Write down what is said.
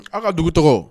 A ka dugu tɔgɔ?